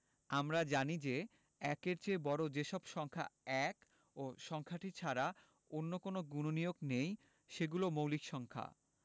আমরা জানি যে ১-এর চেয়ে বড় যে সব সংখ্যা ১ ও সংখ্যাটি ছাড়া অন্য কোনো গুণনীয়ক নেই সেগুলো মৌলিক সংখ্যা